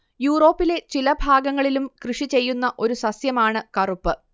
യൂറോപ്പിലെ ചില ഭാഗങ്ങളിലും കൃഷി ചെയ്യുന്ന ഒരു സസ്യമാണ് കറുപ്പ്